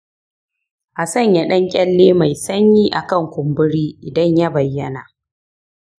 a sanya ɗan kyalle mai sanyi a kan kumburi idan ya bayyana.